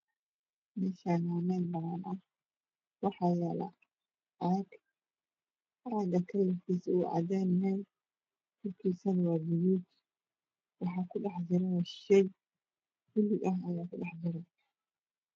Meeshan waa mel banaan ah waxaa yaalo caag caaga kalarkisa uu cadaan yahay furkiisana uu gudud yahay waxaana ku dhexjiro sheey buluug ah